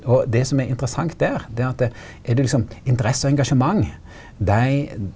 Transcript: og det som er interessant der det er at er du liksom interesse og engasjement dei.